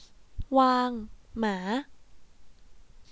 วางหมา